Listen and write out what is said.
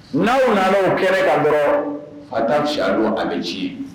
N'aw na kɛra ka bɔ a daya don a bɛ ji ye